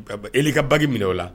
Ka eli ka baki minɛ o la